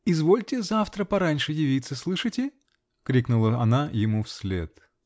-- Извольте завтра пораньше явиться -- слышите? -- крикнула она ему вслед.